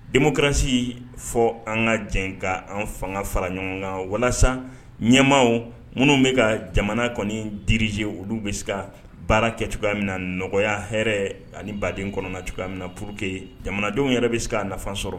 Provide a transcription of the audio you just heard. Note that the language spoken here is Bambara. Den kɛraransi fɔ an ka jɛ ka an fanga fara ɲɔgɔn kan walasa ɲɛma minnu bɛ ka jamana kɔni dize olu bɛ se ka baara kɛ cogoya min na n nɔgɔya hɛrɛ ani baden kɔnɔna cogoya min na pur que jamanadenw yɛrɛ bɛ se k ka nafa sɔrɔ